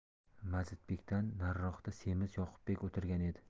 mazidbekdan nariroqda semiz yoqubbek o'tirgan edi